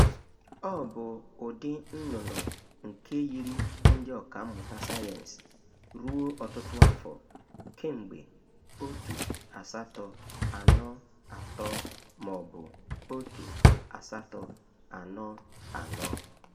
Ọ bụ ụdị nnụnụ nke nyịrị ndị ọkammụta sayensị ruo ọtụtụ afọ, kemgbe 1843 ma ọ bụ 1844.